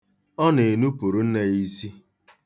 Ọ na-enupuru nne ya isi.